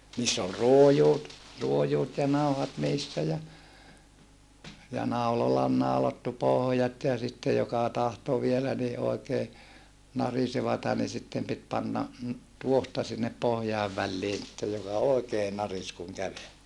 niissä oli ruojut ruojut ja nauhat niissä ja ja naulalla oli naulattu pohjat ja sitten joka tahtoi vielä niin oikein narisevaa niin sitten piti panna tuohta sinne pohjien väliin sitten joka oikein narisi kun käveli